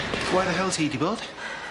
Where the hell ti 'di bod?